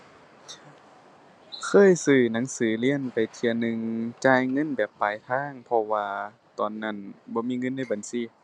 เคยซื้อหนังสือเรียนไปเที่ยหนึ่ง จ่ายเงินแบบปลายทาง เพราะว่าตอนนั้นบ่มีเงินในบัญชี